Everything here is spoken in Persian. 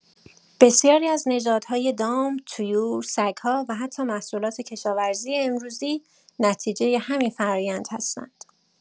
بسیاری از نژادهای دام، طیور، سگ‌ها و حتی محصولات کشاورزی امروزی نتیجه همین فرآیند هستند.